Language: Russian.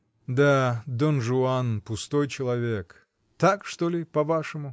— Да, Дон Жуан, пустой человек: так, что ли, по-вашему?